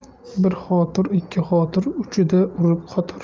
bir xotir ikki xotir uchida urib qotir